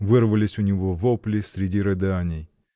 — вырывались у него вопли среди рыданий.